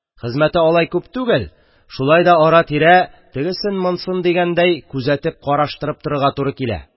Хезмәте алай күп түгел, шулай да ара-тирә, тегесен-монысын дигәндәй, күзәтеп-караштырып торырга туры килә